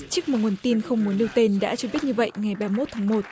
trích một nguồn tin không muốn nêu tên đã cho biết như vậy ngày ba mốt tháng một